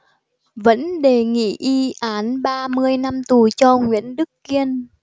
vẫn đề nghị y án ba mươi năm tù cho nguyễn đức kiên